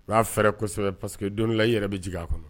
U b'a fɛsɛbɛ paseke que dɔnnila i yɛrɛ bɛ jigin' a kɔnɔ